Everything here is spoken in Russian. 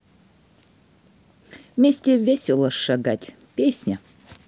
вместе весело шагать песня